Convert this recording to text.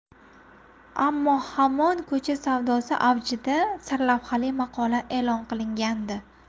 ammo hamon ko'cha savdosi avjida sarlavhali maqola e'lon qilingandi